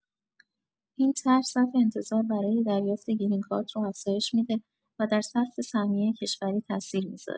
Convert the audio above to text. این طرح صف انتظار برای دریافت گرین کارت رو افزایش می‌ده و در سقف سهمیه کشوری تاثیر می‌ذاره.